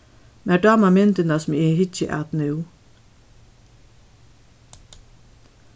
mær dámar myndina sum eg hyggi at nú